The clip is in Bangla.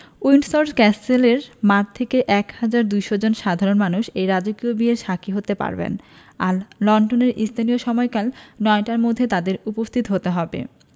উইন্ডসর ক্যাসেলের মাঠ থেকে ১হাজার ২০০ জন সাধারণ মানুষ এই রাজকীয় বিয়ের সাক্ষী হতে পারবেন আর লন্ডনের স্থানীয় সময় সকাল নয়টার মধ্যে তাঁদের উপস্থিত হতে হবে